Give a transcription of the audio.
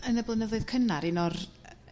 Yn y blynyddoedd cynnar un o'r